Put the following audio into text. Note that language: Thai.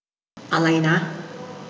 อะไรนะ